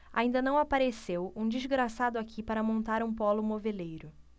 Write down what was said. ainda não apareceu um desgraçado aqui para montar um pólo moveleiro